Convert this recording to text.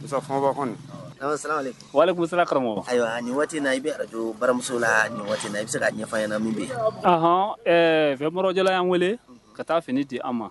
Musa Fɔnba ko in. Awɔ . Karamɔgɔ salamuhalekun. Walekun karamɔgɔ. Ayiwa nin waati in na i bi arajo Baramuso la nin waati . I ne se ka mun fɔ an ɲɛna mun be yen. Ɔnhɔn Ɛɛ Mɔribɔ Jalo yan wele ka taa fini di an ma